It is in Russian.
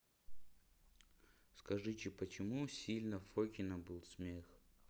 скажите почему сильно фокина был смех